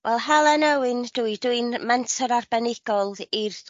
...dw i dwi'n menter arbenigol i'r